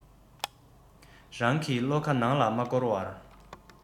རང གི བློ ཁ ནང ལ མ བསྐོར བར